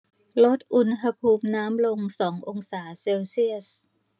ลดอุณหภูมิน้ำลงสององศาเซลเซียส